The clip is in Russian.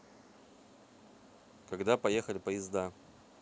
когда поехали поезда